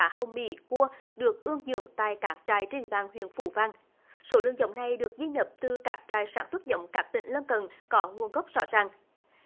cá hồng mỹ cua được ươm dưỡng tại các trại trên địa bàn huyện phú vang số lượng giống này được di nhập từ các trại sản xuất giống các tỉnh lân cận có nguồn gốc rõ ràng